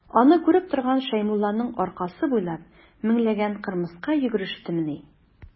Аны күреп торган Шәймулланың аркасы буйлап меңләгән кырмыска йөгерештемени.